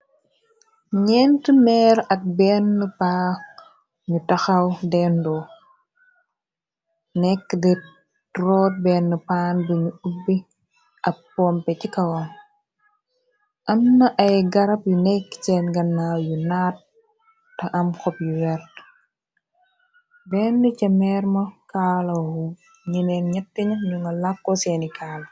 Ñenti meer ak benn paa ñu taxaw dendo, nekk di troot benn paan binu ubbi ab pompe ci kawam, am na ay garab yu nekk seen gannaw yu naat ta am xob yu wert, benn ca meerma kaala wu ñeneen ñetti ña ñu nga làkkoo seeni kaala.